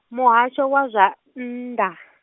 Muhasho wa zwa, nnḓa.